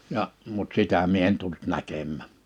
ja mutta sitä minä en tullut näkemään